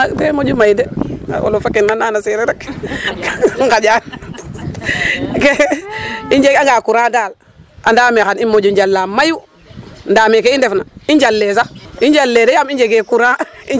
Ten moƴu may de olof ake nana a sereer ake i nqaƴan i njeganga courant daal andaam ee xay i moƴo jalaa mayu ndaa meke i ndefna i njalee sax, i njalee de yaam i njegee courant.